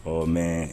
O mɛn